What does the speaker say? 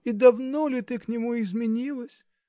И давно ли ты к нему изменилась?